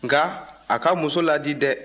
nka a k'a muso laadi dɛ